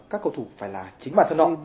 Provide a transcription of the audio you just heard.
các cầu thủ phải là chính bản thân họ